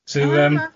So yym